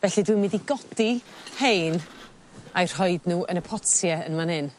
felly dwi mynd i godi rhein a'i rhoid n'w yn y potie yn fan 'yn.